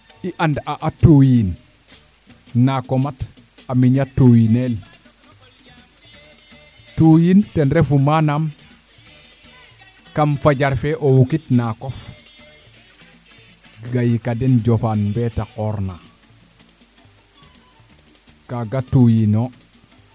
i and a a tuyiin naako mat a miña tuuy nel tuuyin ten refu manaam kam fajar fe o wukit naakof gay ka den jofa mbeta koor na kaga tuyino